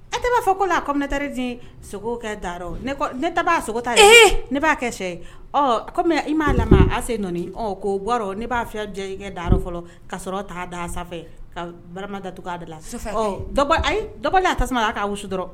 E tɛ b'a fɔ ko la ko ne teri ni sogo kɛ dayɔrɔ ne tɛ b'a sogo ta ee ne b'a kɛ sɛ ɔ kɔmi i m'a la ase nɔ ko bɔ ne b'a diya i kɛ dayɔrɔ fɔlɔ ka sɔrɔ ta da sanfɛ ka bara da tugu'a de la dɔbɔ a tasuma'a'a wusu dɔrɔn